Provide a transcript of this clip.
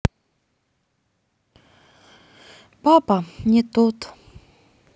папа не тот